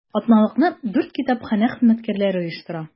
Атналыкны дүрт китапханә хезмәткәрләре оештыра.